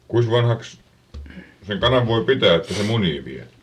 kuinkas vanhaksi sen kanan voi pitää että se munii vielä